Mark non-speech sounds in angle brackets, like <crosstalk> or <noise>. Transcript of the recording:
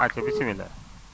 ayca <noise> bisimilah